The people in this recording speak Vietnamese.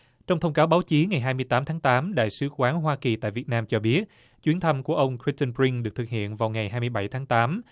trong thông cáo báo chí ngày hai mươi tám tháng tám đại sứ quán hoa kỳ tại việt nam cho biết chuyến thăm của ông cờ rít từn rinh được thực hiện vào ngày hai mươi bảy tháng tám